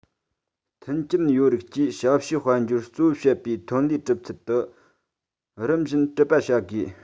མཐུན རྐྱེན ཡོད རིགས ཀྱིས ཞབས ཞུའི དཔལ འབྱོར གཙོ བོར བྱེད པའི ཐོན ལས གྲུབ ཚུལ དུ རིམ བཞིན གྲུབ པ བྱ དགོས